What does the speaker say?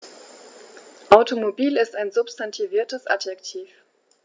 Automobil ist ein substantiviertes Adjektiv.